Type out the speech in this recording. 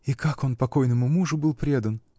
-- И как он покойному мужу был предан!